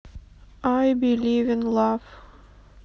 ай беливен лав